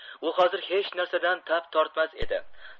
u hozir hech narsadan tap tortmas edi